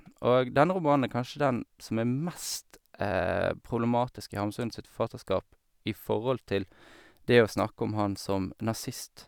Og denne romanen er kanskje den som er mest problematisk i Hamsun sitt forfatterskap i forhold til det å snakke om han som nazist.